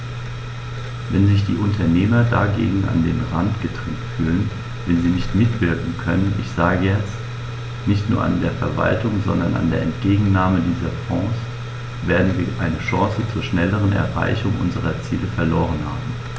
Wenn sich die Unternehmer dagegen an den Rand gedrängt fühlen, wenn sie nicht mitwirken können ich sage jetzt, nicht nur an der Verwaltung, sondern an der Entgegennahme dieser Fonds , werden wir eine Chance zur schnelleren Erreichung unserer Ziele verloren haben.